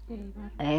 ei varmaan ole